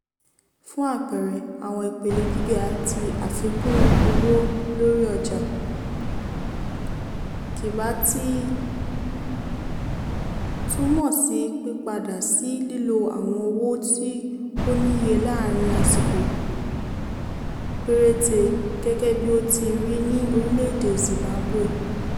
Fún àpẹẹrẹ, àwọn ìpele gíga ti àfikún owó lórí ọjà, kì bá ti túmọ̀ sí pípadà sí lílo àwọn owó tí ó níye láàárín àsìkò péréte, gẹ́gẹ́ bí ó ti rí ní orílẹ́ èdè Zimbabwe.